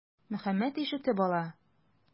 Мөхәммәт ишетеп ала.